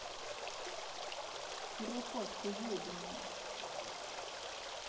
куропатка ебаная